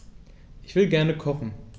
Ich will gerne kochen.